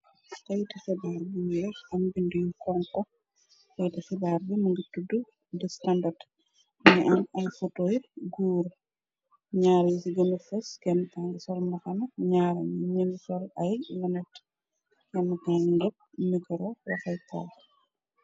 Stayt sebaar bu weyex am bind yu konko foyte sebaar bimu ngi tudd de standard ni am ay fotoir guure ñaar yisi gunu fes kenntangi solmaxana ñar ñëngi sol ay wenet kngépp mikoro waxay taax.